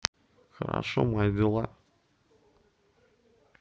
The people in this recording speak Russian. хорошо мои дела